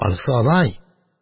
Анысы алай.